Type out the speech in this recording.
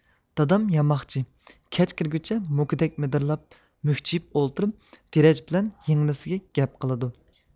دادام ياماقچى كەچ كىرگۈچە موكىدەك مىدىرلاپ مۈكچىيىپ ئولتۇرۇپ دىرەج بىلەن يىڭنىسىگە گەپ قىلىدۇ